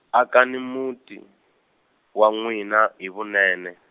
akani muti, wa n'wina hi vunene.